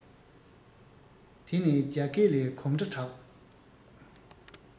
དེ ནས རྒྱ སྐས ལས གོམ སྒྲ གྲགས